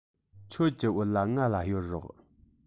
ཁྱོད ཀྱི བོད ལྭ ང ལ གཡོར རོགས